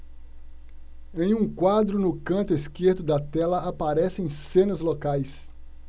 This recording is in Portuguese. em um quadro no canto esquerdo da tela aparecem cenas locais